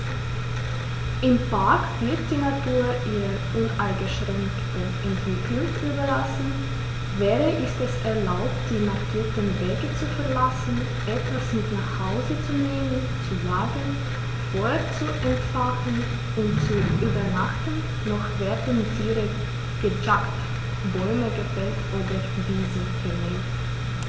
Im Park wird die Natur ihrer uneingeschränkten Entwicklung überlassen; weder ist es erlaubt, die markierten Wege zu verlassen, etwas mit nach Hause zu nehmen, zu lagern, Feuer zu entfachen und zu übernachten, noch werden Tiere gejagt, Bäume gefällt oder Wiesen gemäht.